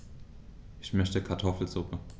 Ich möchte Kartoffelsuppe.